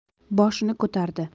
boshini ko'tardi